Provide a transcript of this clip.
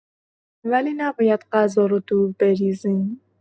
ولی نباید غذا رو دور بریزیم.